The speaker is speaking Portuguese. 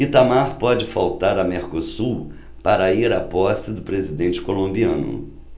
itamar pode faltar a mercosul para ir à posse do presidente colombiano